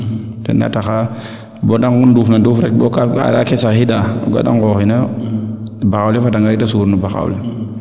tena taxa bo de nduuf nduuf rek bo kaaga arake saxiida bada ngoxinoyo rek baxaaw le wadanga de suur bo baxaaw le